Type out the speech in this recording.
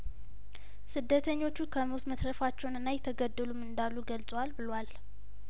ስደተኞቹ ከሞት መትረፋቸውንና የተገደሉም እንዳሉ ገልጸዋል ብሏል